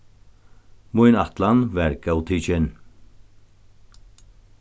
mín ætlan varð góðtikin